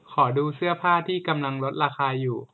ขอดูเสื้อผ้าที่กำลังลดราคาอยู่